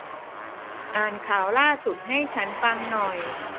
อ่านข่าวล่าสุดให้ฉันฟังหน่อย